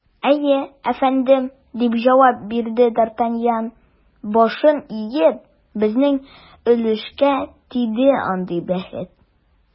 Әйе, әфәндем, - дип җавап бирде д’Артаньян, башын иеп, - безнең өлешкә тиде андый бәхет.